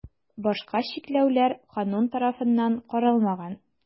Башка чикләүләр канун тарафыннан каралмаган.